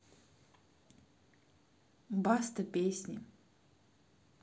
баста песни